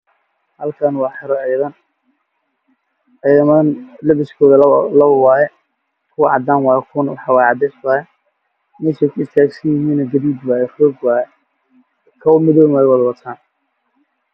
Meeshaan waa meel xero ciidan ah waxaa iga muuqda wata dharcadaana iyo dhar jaalo ah